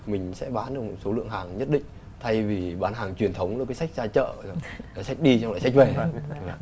mình sẽ bán được một số lượng hàng nhất định thay vì bán hàng truyền thống cứ sách hàng ra chợ rồi sách đi rồi lại sách về